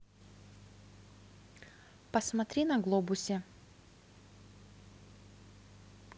посмотри на глобусе